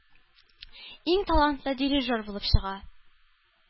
Иң талантлы “дирижер” булып чыга.